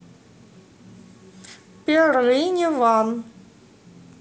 perlini ван